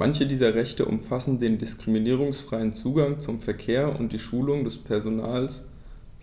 Manche dieser Rechte umfassen den diskriminierungsfreien Zugang zum Verkehr und die Schulung des Personals